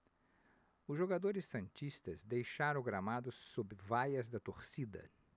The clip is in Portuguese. os jogadores santistas deixaram o gramado sob vaias da torcida